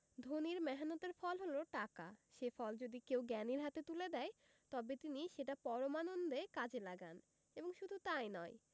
ধনীর মেহন্নতের ফল হল টাকা সে ফল যদি কেউ জ্ঞানীর হাতে তুলে দেয় তবে তিনি সেটা পরমানন্দে কাজে লাগান এবং শুধু তাই নয়